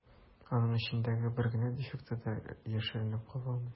Аның эчендәге бер генә дефекты да яшеренеп кала алмый.